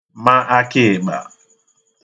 ma akịị̄kpà